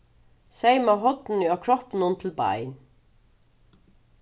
seyma hornini á kroppinum til bein